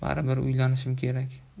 baribir uylanishim kerak